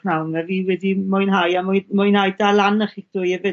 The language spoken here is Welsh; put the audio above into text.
pn'awn 'ma fi wedi mwynhau a mwy- mwyn'au dal lan â chi'ch dwy 'efyd